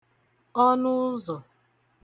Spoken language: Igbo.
ọnụ ụzọ̀